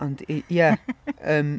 Ond, y- ie!... ...Yym